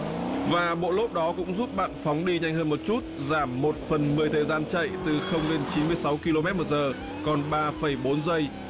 và bộ lốp đó cũng giúp bạn phóng đi nhanh hơn một chút giảm một phần mười thời gian chạy từ không lên chín mươi sáu ki lô mét một giờ còn ba phẩy bốn giây